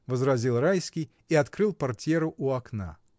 — возразил Райский и открыл портьеру у окна.